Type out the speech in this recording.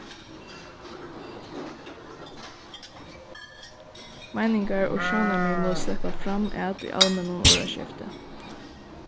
meiningar og sjónarmið mugu sleppa fram at í almennum orðaskifti